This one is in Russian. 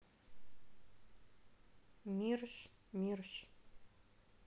мирш мирш